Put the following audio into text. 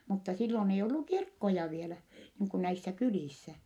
mutta silloin ei ollut kirkkoja vielä niin kuin näissä kylissä